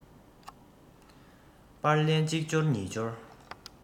པར ལན གཅིག འབྱོར གཉིས འབྱོར